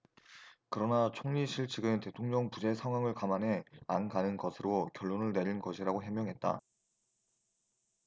그러나 총리실측은 대통령 부재 상황을 감안해 안 가는 것으로 결론을 내린 것이라고 해명했다